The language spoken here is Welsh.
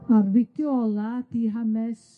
A'r fideo ola 'di hanes